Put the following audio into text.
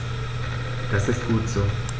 Das ist gut so.